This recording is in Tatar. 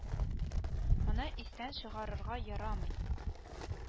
Моны истән чыгарырга ярамый